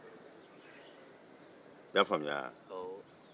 i y'a faamuya wa